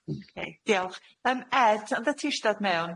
Ok diolch. Yym Ed odda ti ishe dod mewn?